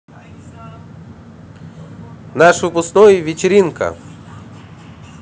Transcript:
наш выпускной вечеринка